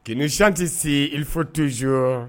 Kisi tɛ se i fɔ tozo